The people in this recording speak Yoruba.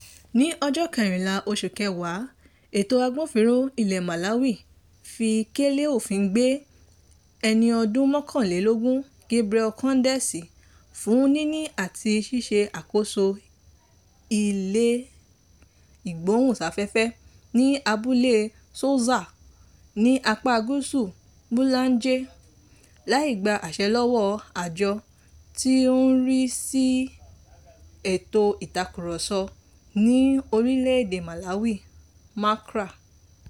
Ní ọjọ́ kẹrìnlá oṣù kẹwàá ètò agbófinró ilẹ̀ Malawi fi kélé òfin gbé ẹni ọdún mọ́kànlélógún Gabriel Kondesi fún níní àti ṣíṣe àkóso ilé ìgbóhùn sáfẹ́fẹ́ ní abúlé Soza ní apá gúúsù Mulanje, láì gba àṣẹ lọ́wọ́ àjọ tí ó ń rí sí ètò ìtakùrọsọ ní orílẹ̀ èdè Malawi (MACRA)